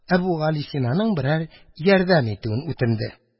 Әбүгалисинаның берәр ярдәм итүен үтенде.